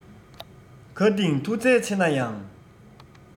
མཁའ ལྡིང མཐུ རྩལ ཆེ ན ཡང